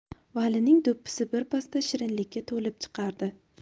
valining do'ppisi bir pasda shirinlikka to'lib chiqardi